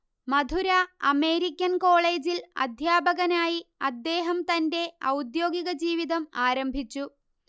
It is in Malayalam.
മധുര അമേരിക്കൻ കോളെജിൽ അദ്ധ്യാപകനായി അദ്ദേഹം തന്റെ ഔദ്യോഗിക ജീവിതം ആരംഭിച്ചു